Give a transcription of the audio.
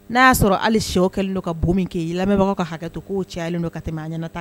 N'a y'a sɔrɔ hali se kɛlen don ka bon min kɛ lamɛnbagaw ka hakɛ to k'o cɛ don ka tɛmɛ a ɲɛna tan